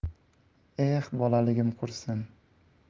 eh bolaligim qursin